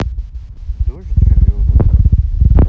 дождь живет